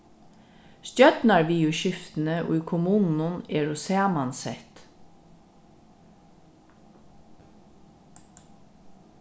stjórnarviðurskiftini í kommununum eru samansett